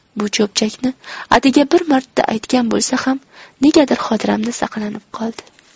bu cho'pchakni atigi bir marta aytgan bo'lsa ham negadir xotiramda saqlanib qoldi